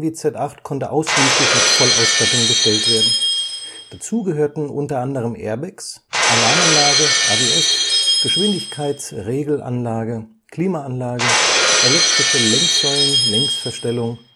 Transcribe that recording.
Z8 konnte ausschließlich mit Vollausstattung bestellt werden. Dazu gehörten unter anderem Airbags, Alarmanlage, ABS, Geschwindigkeitsregelanlage, Klimaanlage, elektrische Lenksäulenlängsverstellung